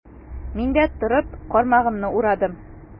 Мин дә, торып, кармагымны урадым.